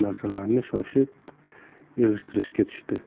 narsalarni shoshib yig'ishtirishga tushdi